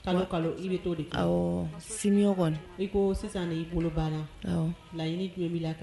Kalo kalo i bɛ to di ɔ si kɔni i ko sisan y'i bolo b'a la layiini jumɛn b' la kan